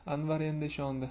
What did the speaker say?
anvar endi ishondi